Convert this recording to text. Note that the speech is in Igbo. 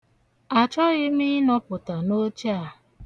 Achọghị m ịnọpụta n'oche a.